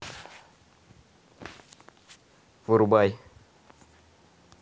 вырубай